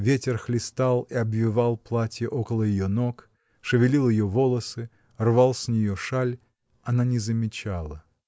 Ветер хлестал и обвивал платье около ее ног, шевелил ее волосы, рвал с нее шаль — она не замечала.